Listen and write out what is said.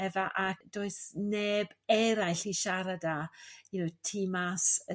efa- a does neb eraill i siarad â you know tu mas y